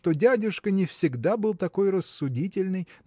что дядюшка не всегда был такой рассудительный